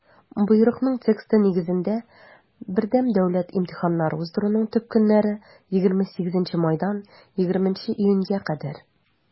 Боерыкның тексты нигезендә, БДИ уздыруның төп көннәре - 28 майдан 20 июньгә кадәр.